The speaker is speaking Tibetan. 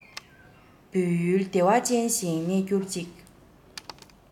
བོད ཡུལ བདེ བ ཅན བཞིན གནས འགྱུར ཅིག